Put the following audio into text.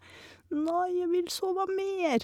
Nei, jeg vil sove mer.